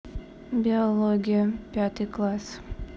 биология пятый класс